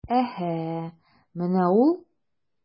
Әһә, менә ул...